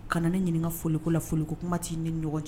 Kana ne ɲininka foliko la, foliko kuma tɛ ne ni e ni ɲɔgɔn ce.